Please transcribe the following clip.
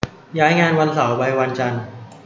ย้ายงานวันเสาร์ไปวันจันทร์